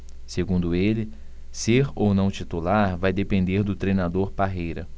segundo ele ser ou não titular vai depender do treinador parreira